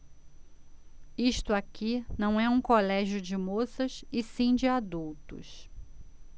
isto aqui não é um colégio de moças e sim de adultos